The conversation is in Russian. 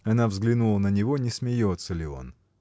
Она взглянула на него, не смеется ли он.